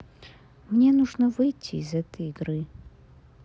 мне нужно выйти из этой игры